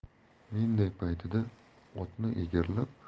menday paytida otni